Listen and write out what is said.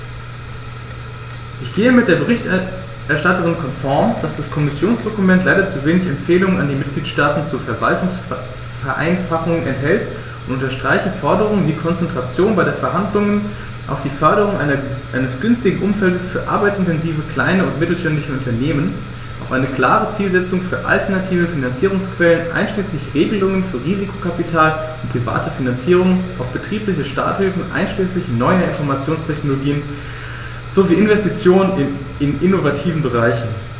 Ich gehe mit der Berichterstatterin konform, dass das Kommissionsdokument leider zu wenig Empfehlungen an die Mitgliedstaaten zur Verwaltungsvereinfachung enthält, und unterstreiche Forderungen wie Konzentration bei Verhandlungen auf die Förderung eines günstigen Umfeldes für arbeitsintensive kleine und mittelständische Unternehmen, auf eine klare Zielsetzung für alternative Finanzierungsquellen einschließlich Regelungen für Risikokapital und private Finanzierung, auf betriebliche Starthilfen einschließlich neuer Informationstechnologien sowie Investitionen in innovativen Bereichen.